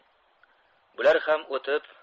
bular ham o'tib